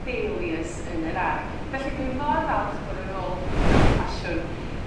dahlias yn yr ardd felly dwi mor falch bo' n'w nôl mewn ffasiwn.